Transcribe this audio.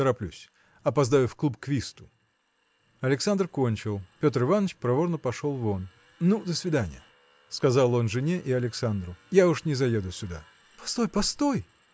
тороплюсь, – опоздаю в клуб к висту. Александр кончил. Петр Иваныч проворно пошел вон. – Ну, до свиданья! – сказал он жене и Александру. – Я уж не заеду сюда. – Постой! постой!